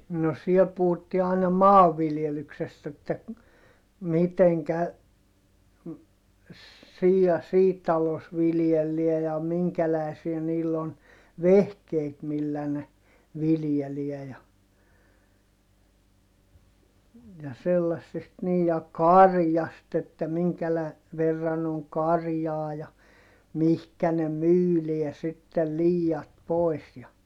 no siellä puhuttiin aina maanviljelyksestä että miten siinä ja siinä talossa viljellään ja minkälaisia niillä on vehkeet millä ne viljelee ja ja sellaisesta niin ja karjasta että - verran on karjaa ja mihin ne myydään sitten liiat pois ja